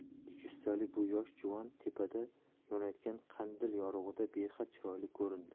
kichik jussali bu yosh juvon tepada yonayotgan qandil yorug'ida behad chiroyli ko'rindi